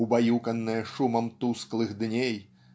убаюканное шумом тусклых дней